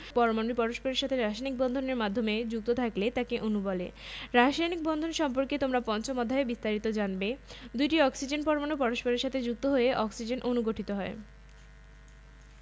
পরমাণু পরস্পরের সাথে রাসায়নিক বন্ধন এর মাধ্যমে যুক্ত থাকলে তাকে অণু বলে রাসায়নিক বন্ধন সম্পর্কে তোমরা পঞ্চম অধ্যায়ে বিস্তারিত জানবে দুটি অক্সিজেন পরমাণু পরস্পরের সাথে যুক্ত হয়ে অক্সিজেন অণু গঠিত হয়